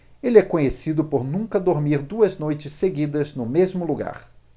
ele é conhecido por nunca dormir duas noites seguidas no mesmo lugar